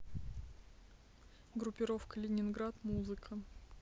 группировка ленинград музыка